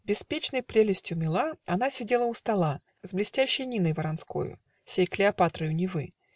Беспечной прелестью мила, Она сидела у стола С блестящей Ниной Воронскою, Сей Клеопатрою Невы